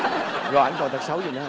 rồi anh còn tật xấu gì nữa hông